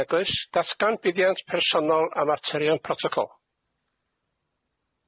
Nagoes? Datgan buddiant personol am arterion protocol.